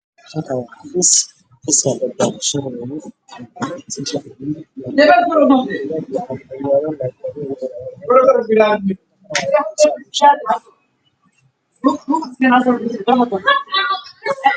Waa xafiis waxaa joogo niman iyo naago